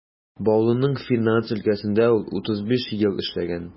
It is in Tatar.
Баулының финанс өлкәсендә ул 35 ел эшләгән.